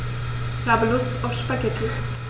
Ich habe Lust auf Spaghetti.